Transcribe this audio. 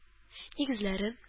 Нигезләрен